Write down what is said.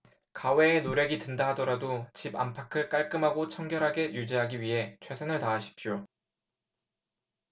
가외의 노력이 든다 하더라도 집 안팎을 깔끔하고 청결하게 유지하기 위해 최선을 다하십시오